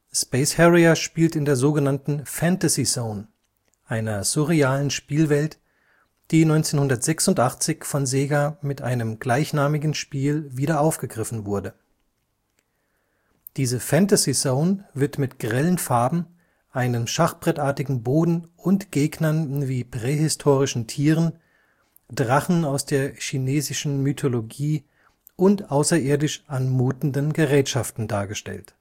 Space Harrier spielt in der so genannten „ Fantasy Zone “, einer surrealen Spielwelt, die 1986 von Sega mit einem gleichnamigen Spiel wieder aufgegriffen wurde. Diese „ Fantasy Zone “wird mit grellen Farben einem schachbrettartigen Boden und Gegnern wie prähistorischen Tieren, Drachen aus der chinesischen Mythologie und außerirdisch anmutenden Gerätschaften dargestellt